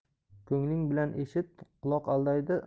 ko'ngling bilan eshit quloq aldaydi